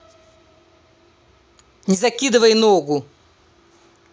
не закидывай ногу